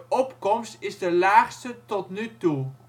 opkomst is de laagste tot nu toe